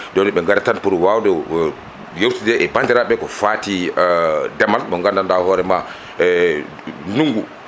joni ɓe gari tan pour wawde yewtude e bandiraɓeɓe ko fati ndeemal mo gandanɗa hoorema e ndungu